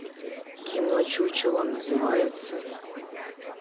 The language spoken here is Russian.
кино чучело называется